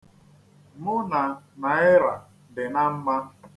Mụ na naịra dị na mma.